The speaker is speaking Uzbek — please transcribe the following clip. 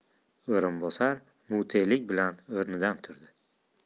o'rinbosar mutelik bilan o'rnidan turdi